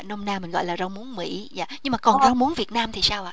nôm na mình gọi là rau muống mĩ dạ nhưng mà còn rau muống việt nam thì sao ạ